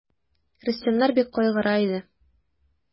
Крестьяннар бик кайгыра иде.